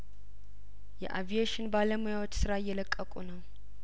የአቪዬሽን ባለሙያዎች ስራ እየለቀቁ ነው